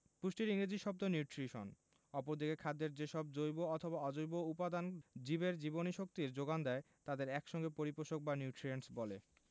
পুষ্টির ইংরেজি শব্দ নিউট্রিশন অপরদিকে খাদ্যের যেসব জৈব অথবা অজৈব উপাদান জীবের জীবনীশক্তির যোগান দেয় তাদের এক সঙ্গে পরিপোষক বা নিউট্রিয়েন্টস বলে